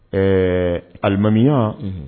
Ɛɛlimami